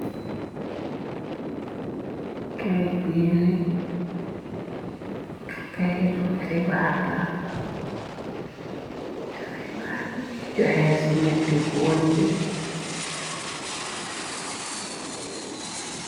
Keyt bi nee keyti xibaar la keyti xibaar bu nyui jayee si neenti goor nyi.